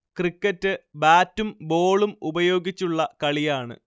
cricket ബാറ്റും ബോളും ഉപയോഗിച്ചുള്ള കളിയാണ്